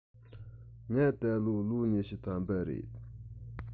ང ད ལོ ལོ ཉི ཤུ ཐམ པ རེད